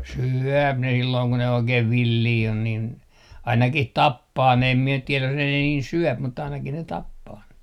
syö ne silloin kun ne oikein villejä on niin ainakin tappaa ne en minä nyt tiedä jos ne niin syö mutta ainakin ne tappaa ne